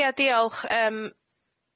Ia diolch yym